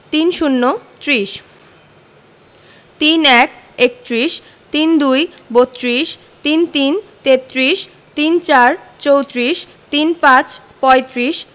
৩০ - ত্রিশ ৩১ - একত্রিশ ৩২ - বত্ৰিশ ৩৩ - তেত্রিশ ৩৪ - চৌত্রিশ ৩৫ - পঁয়ত্রিশ